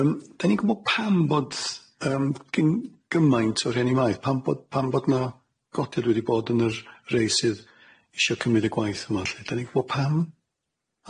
Yym 'dan ni'n gwbo' pam bod yym gin gymaint o rieni maeth, pam bod pam bod 'na godiad wedi bod yn yr rei sydd isio cymyd y gwaith yma lly 'dan ni'n gwbo' pam?